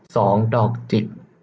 สองดอกจิก